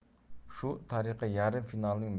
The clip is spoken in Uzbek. shu tariqa yarim finalning